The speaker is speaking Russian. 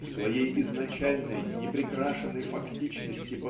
в своей изначальной неприкрашенной фактичности